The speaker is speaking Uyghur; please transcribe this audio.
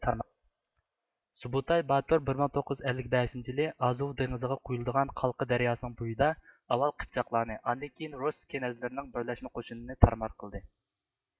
سۇبۇتاي باتۇر بىر مىڭ توققۇز يۇز ئەللىك بەشىنچى يىلى ئازۇۋ دېڭىزىغا قۇيۇلىدىغان قالقا دەرياسىنىڭ بويىدا ئاۋۋال قىپچاقلارنى ئاندىن كېيىن رۇس كېنەزلىرىنىڭ بىرلەشمە قوشۇنىنى تارمار قىلدى